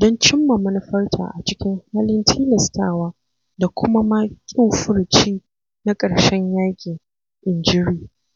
don cimma manufarta a cikin halin tilastawa, da kuma ma ƙin “furuci na ƙarshen yaƙi,”” inji Ri.